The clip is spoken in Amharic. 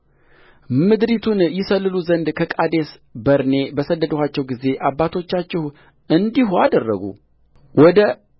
ምድሪቱን ይሰልሉ ዘንድ ከቃዴስ በርኔ በሰደድኋቸው ጊዜ አባቶቻችሁ እንዲህ አደረጉወደ